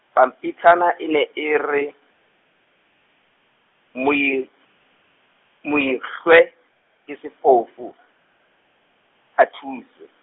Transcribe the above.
pampitshana e ne e re, Moi-, Moihlwe, ke sefofu , a thuswe.